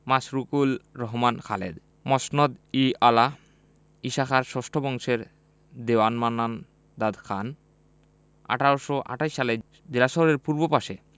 মাশরুকুর রহমান খালেদ মসনদ ই আলা ঈশাখার ষষ্ঠ বংশধর দেওয়ান মান্নান দাদ খান ১৮২৮ সালে জেলা শহরের পূর্ব পাশে